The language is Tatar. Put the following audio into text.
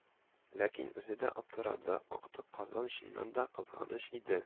Ләкин үзе дә аптырады: актык казан чыннан да кызганыч иде